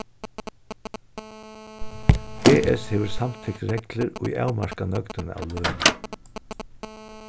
es hevur samtykt reglur ið avmarka nøgdina av løgi